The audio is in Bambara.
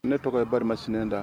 Ne tɔgɔ ye bas da